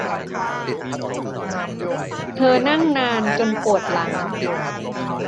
เธอนั่งนานจนปวดหลัง